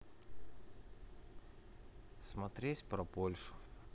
смотреть про польшу